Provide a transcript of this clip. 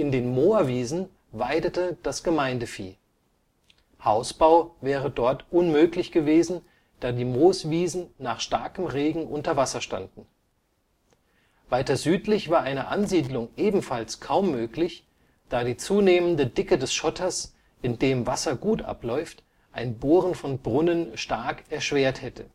den Moorwiesen weidete das Gemeindevieh. Hausbau wäre dort unmöglich gewesen, da die Mooswiesen nach starkem Regen unter Wasser standen. Weiter südlich war eine Ansiedlung ebenfalls kaum möglich, da die zunehmende Dicke des Schotters, in dem Wasser gut abläuft, ein Bohren von Brunnen stark erschwert hätte